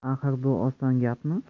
axir bu oson gapmi